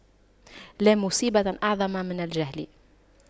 لا مصيبة أعظم من الجهل